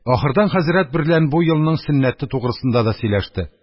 Ахырдан хәзрәт берлән бу елның сөннәте тугрысында да сөйләште.